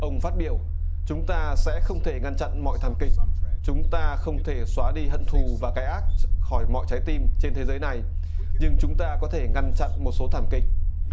ông phát biểu chúng ta sẽ không thể ngăn chặn mọi thảm kịch chúng ta không thể xóa đi hận thù và cái ác khỏi mọi trái tim trên thế giới này nhưng chúng ta có thể ngăn chặn một số thảm kịch